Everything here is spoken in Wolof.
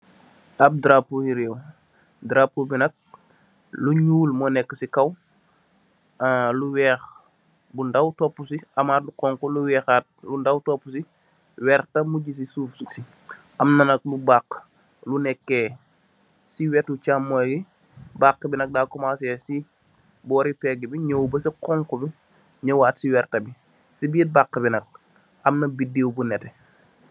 Ab darapu he reew darapu be nak lu nuul mu neka se kaw ah lu weex bu ndaw topuse amate lu xonxo lu weexate lu ndaw topuse werta muje se suufse amna nak lu baxe lu nekeh se wetou chamung ye baxebe nak da kumase se bore pege be nyaw base xonxo be nyawat se werta be se birr baxe be nak amna bedew bu neteh.